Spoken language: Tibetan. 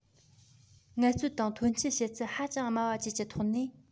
ངལ རྩོལ དང ཐོན སྐྱེད བྱེད ཚད ཧ ཅང དམའ བ བཅས ཀྱི ཐོག ནས